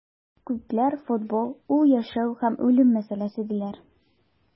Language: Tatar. Күпләр футбол - ул яшәү һәм үлем мәсьәләсе, диләр.